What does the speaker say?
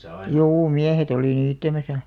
juu miehet oli niittämässä